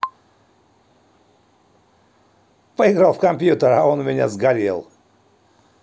поиграть в компьютер а он у меня сгорел